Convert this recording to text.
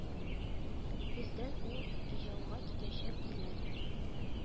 Бездән ул Ижауга китәчәк, диләр